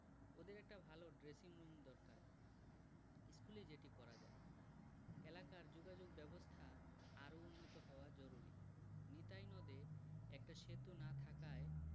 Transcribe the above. ওদের একটা ভালো ড্রেসিংরুম দরকার স্কুলেই যেটি করা যায় এলাকার যোগাযোগব্যবস্থা আরও উন্নত হওয়া জরুরি নিতাই নদে একটা সেতু না থাকায়